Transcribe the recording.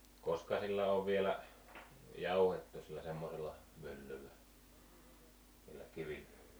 koska sillä on vielä jauhettu sillä semmoisella myllyllä niillä kivillä